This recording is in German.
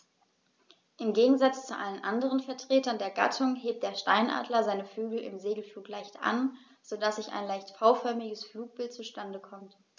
Im Gegensatz zu allen anderen Vertretern der Gattung hebt der Steinadler seine Flügel im Segelflug leicht an, so dass ein leicht V-förmiges Flugbild zustande kommt.